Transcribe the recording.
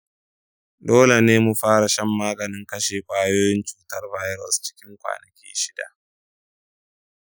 dole ne mu fara shan maganin kashe kwayoyin cutar virus cikin kwanaki shida.